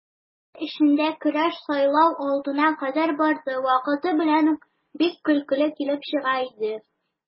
Партия эчендә көрәш сайлау алдына кадәр барды, вакыты белән ул бик көлкеле килеп чыга иде.